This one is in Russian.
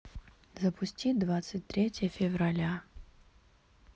запусти двадцать третье февраля